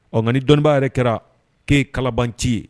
Ɔ nka ni dɔnniba yɛrɛ kɛra' ye kalabanci ye